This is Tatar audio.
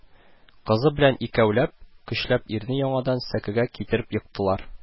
Кызы белән икәүләп, көчләп ирне яңадан сәкегә китереп ектылар